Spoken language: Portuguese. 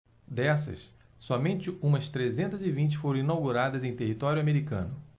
dessas somente umas trezentas e vinte foram inauguradas em território americano